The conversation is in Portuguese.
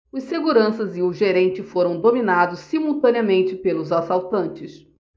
os seguranças e o gerente foram dominados simultaneamente pelos assaltantes